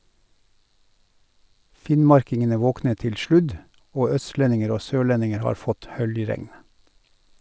Finnmarkingene våknet til sludd, og østlendinger og sørlendinger har fått høljregn.